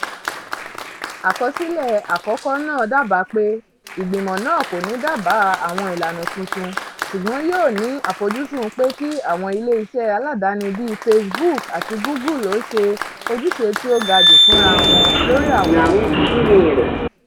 Àkọsílẹ̀ àkọ́kọ́ náà dábàá pé Ìgbìmọ̀ náà kò ní dábàá àwọn ìlànà tuntun, ṣùgbọ́n yóò ní àfojúsùn pé kí àwọn ilé iṣẹ́ aládani bíi Facebook àti Google ó ṣe ojúṣe tí ó ga jù fúnra wọn lórí àwọn ọ̀ràn yìí.